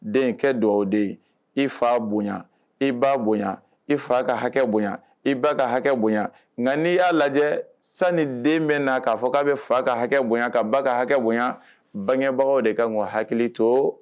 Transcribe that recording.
Den kɛ dugawu o de ye i fa bonya i ba bonya i fa ka hakɛ bonya i ba ka hakɛ bonya nka n'i y'a lajɛ sani ni den bɛ n'a'a fɔ k'a bɛ fa ka hakɛ bonya ka ba ka hakɛ bonya bangebagaw de ka nk hakili to